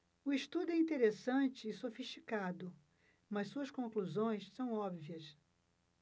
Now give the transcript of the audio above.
o estudo é interessante e sofisticado mas suas conclusões são óbvias